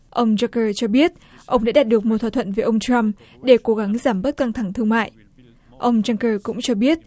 ông dơ cơ cho biết ông đã đạt được một thỏa thuận với ông trăm để cố gắng giảm bớt căng thẳng thương mại ông dăng cơ cũng cho biết